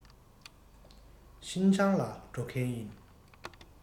ཤིན ཅང ལ འགྲོ མཁན ཡིན